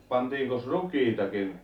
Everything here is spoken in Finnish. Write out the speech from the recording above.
pantiinkos rukiitakin